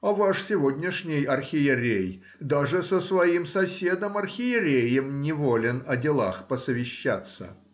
а ваш сегодняшний архиерей даже с своим соседом архиереем не волен о делах посовещаться